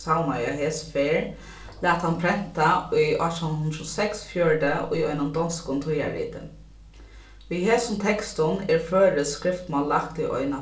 savnaði á hesi ferð lat hann prenta í átjan hundrað og seksogfjøruti í einum donskum tíðarriti við hesum tekstum er føroyskt skriftmál lagt í eina